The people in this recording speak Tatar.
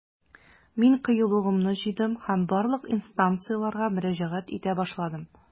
Мин кыюлыгымны җыйдым һәм барлык инстанцияләргә мөрәҗәгать итә башладым.